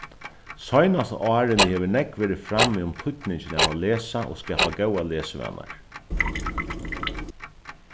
seinastu árini hevur nógv verið frammi um týdningin av at lesa og skapa góðar lesivanar